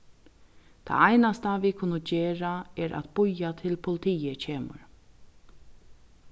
tað einasta vit kunnu gera er at bíða til politiið kemur